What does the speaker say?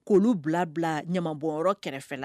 Kolonolu bila bila ɲamabɔ yɔrɔ kɛrɛfɛ la